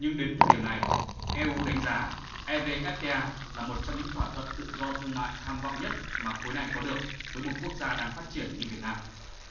nhưng đến thời điểm này e u đánh giá e vê ép tê a là một trong những thỏa thuận tự do thương mại tham vọng nhất mà khối này có được với một quốc gia đang phát triển như việt nam